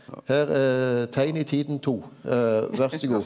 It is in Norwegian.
her er Tegn i tiden to ver så god.